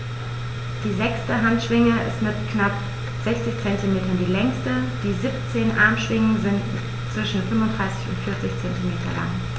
Die sechste Handschwinge ist mit knapp 60 cm die längste. Die 17 Armschwingen sind zwischen 35 und 40 cm lang.